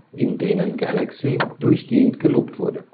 in denen Galaxy durchgehend gelobt wurde